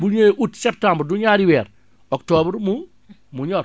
bu ñëwee août septembre du ñaari weer octobre mu mu ñor